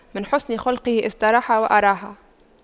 من حسن خُلُقُه استراح وأراح